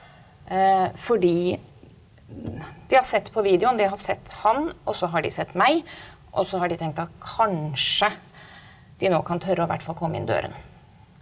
fordi de har sett på videoen de har sett han og så har de sett meg og så har de tenkt at kanskje de nå kan tørre å hvert fall komme inn døren.